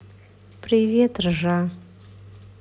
привет ржа